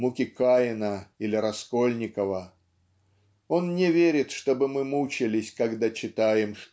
муки Каина или Раскольникова он не верит чтобы мы мучались когда читаем